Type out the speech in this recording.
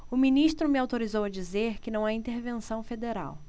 o ministro me autorizou a dizer que não há intervenção federal